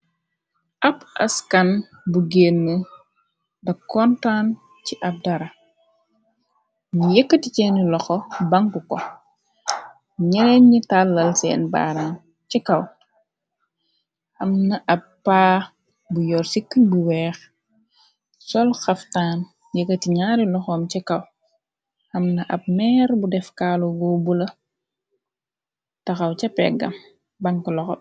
Ab askan bu génn, da kontaan ci ab dara, nu yëkkati seeni loxo banku ko, ñereen ñi tàllal seen baaran ci kaw, amna ab paa bu yor sikk bu weex sol xaftaan yëkkati ñaari loxoom ci kaw, amna ab meer bu def kaalu go bula taxaw ca peggam bank loxo.